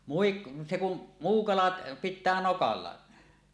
muikku se kun muu kalat pitää nokalla